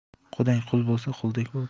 qudang qui bo'lsa quldek bo'l